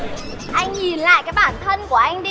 anh nhìn lại cái bản thân của anh đi